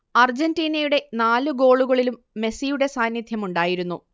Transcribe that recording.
അർജന്റീനയുടെ നാല് ഗോളുകളിലും മെസ്സിയുടെ സാന്നിധ്യമുണ്ടായിരുന്നു